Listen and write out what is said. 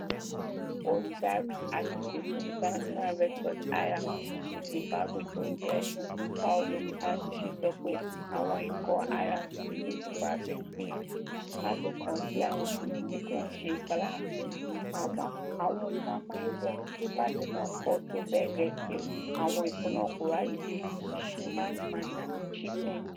Olùdarí agbègbè fún International Red Cross (IRC) ti Zimbabwe tó ń jẹ́ Paolo Cernuschi sọ pé àwọn ikọ̀ IRC ní Zimbabwe ń gbìyànjú láti kàn sí àwọn tí cyclone ṣe ìpalára fún àmọ́ àwọn ohun amáyedẹrùn tó bàjẹ́ náà pọ̀ tó bẹ́ẹ̀ gẹ́ tí àwọn ikọ̀ nàá kò ráyé dé Chimanimani tàbí Chipinge.